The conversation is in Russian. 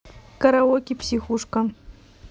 караоке психушка